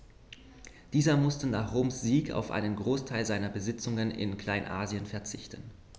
Dieser musste nach Roms Sieg auf einen Großteil seiner Besitzungen in Kleinasien verzichten.